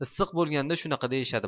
issiq bo'lganda shunaqa deyishadi